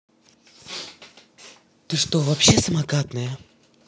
ты что вообще самокатная